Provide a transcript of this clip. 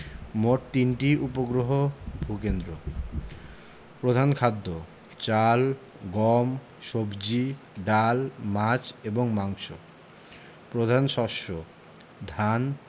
মোট তিনটি উপগ্রহ ভূ কেন্দ্র প্রধান খাদ্যঃ চাল গম সবজি ডাল মাছ এবং মাংস প্রধান শস্য ধান